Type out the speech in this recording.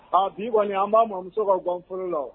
Aa bi kɔni an b'a ma muso ka gfolo la